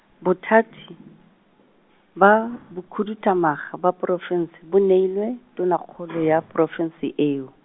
bothati, ba, bokhuduthamaga ba porofense, bo neilwe, tonakgolo ya porofense eo.